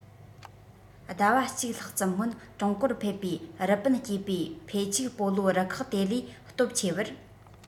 ཟླ བ གཅིག ལྷག ཙམ སྔོན ཀྲུང གོར ཕེབས པའི རི པིན སྐྱེས པའི ཕའེ ཆིའུ སྤོ ལོ རུ ཁག དེ ལས སྟོབས ཆེ བར